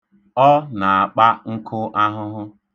Ọ na-akpa nkụ ahụhụ.